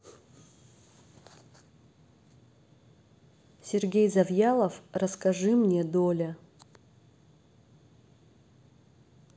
сергей завьялов расскажи мне доля